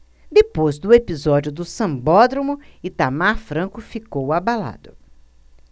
depois do episódio do sambódromo itamar franco ficou abalado